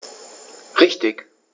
Richtig